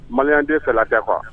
Maliyɛnden fɛla tɛ quoi